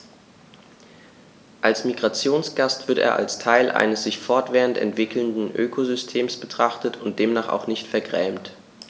Als Migrationsgast wird er als Teil eines sich fortwährend entwickelnden Ökosystems betrachtet und demnach auch nicht vergrämt.